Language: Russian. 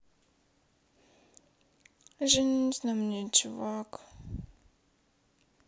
женись на мне чувак